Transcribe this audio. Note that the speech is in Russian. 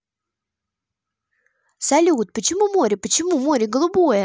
салют почему море почему море голубое